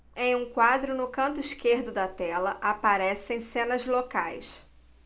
em um quadro no canto esquerdo da tela aparecem cenas locais